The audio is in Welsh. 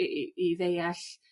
i i i ddeall